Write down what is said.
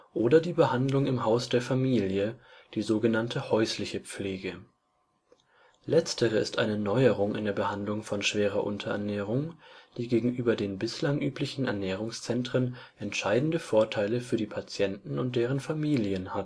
oder die Behandlung im Haus der Familie, die sogenannte häusliche Pflege. Letztere ist eine Neuerung in der Behandlung von schwerer Unterernährung, die gegenüber den bislang üblichen Ernährungszentren entscheidende Vorteile für die Patienten und deren Familien